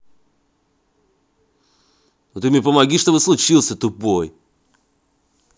а ты мне помоги чтобы случился тупой